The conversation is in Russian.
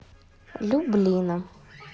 люблино